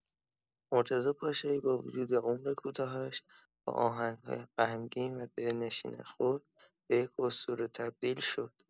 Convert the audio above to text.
مرتضی پاشایی با وجود عمر کوتاهش، با آهنگ‌های غمگین و دلنشین خود به یک اسطوره تبدیل شد.